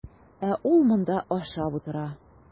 Ә ул монда ашап утыра.